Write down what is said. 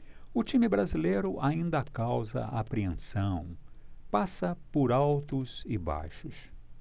o time brasileiro ainda causa apreensão passa por altos e baixos